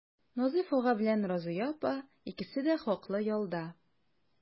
Назыйф ага белән Разыя апа икесе дә хаклы ялда.